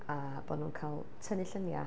A bod nhw'n cael tynnu lluniau.